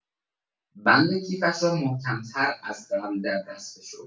بند کیفش را محکم‌تر از قبل در دست فشرد.